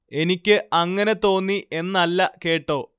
എനിക്ക് അങ്ങനെ തോന്നി എന്നല്ല കേട്ടോ